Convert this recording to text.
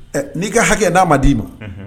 N'i ka hakɛ n d'a ma d'i ma